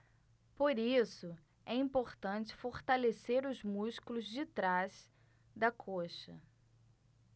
por isso é importante fortalecer os músculos de trás da coxa